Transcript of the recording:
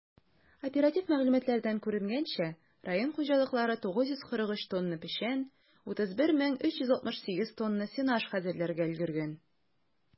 Оператив мәгълүматлардан күренгәнчә, район хуҗалыклары 943 тонна печән, 31368 тонна сенаж хәзерләргә өлгергән.